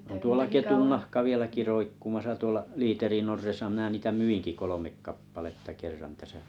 on tuolla ketunnahka vieläkin roikkumassa tuolla liiterin orressa minä niitä myinkin kolme kappaletta kerran tässä